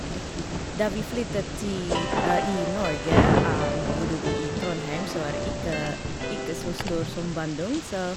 Da vi flyttet ti i Norge, bodde vi i Trondheim, som var ikke ikke så stor som Bandung, så...